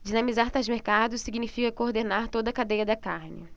dinamizar tais mercados significa coordenar toda a cadeia da carne